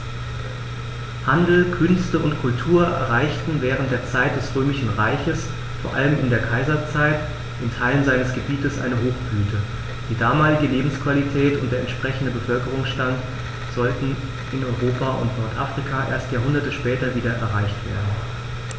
Handel, Künste und Kultur erreichten während der Zeit des Römischen Reiches, vor allem in der Kaiserzeit, in Teilen seines Gebietes eine Hochblüte, die damalige Lebensqualität und der entsprechende Bevölkerungsstand sollten in Europa und Nordafrika erst Jahrhunderte später wieder erreicht werden.